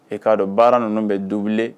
E k'a dɔn baara ninnu bɛ du